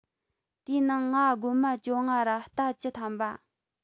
དེའི ནང ང རྒོད མ བཅོ ལྔ ར རྟ བཅུ ཐམ པ